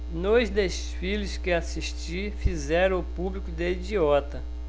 nos desfiles que assisti fizeram o público de idiota